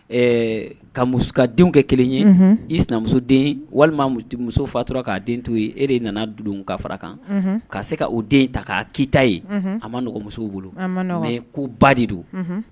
Ka ka den kɛ kelen ye i sinamuso den walima muso fatura k'a den to ye e de nana don ka fara kan k'a se ka o den ta k'a kiyita ye a ma nɔgɔmuso bolo ko ba de don